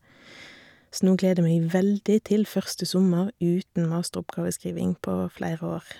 Så nå gleder jeg meg veldig til første sommer uten masteroppgaveskriving på flere år.